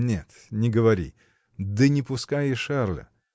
— Нет, не говори, да не пускай и Шарля!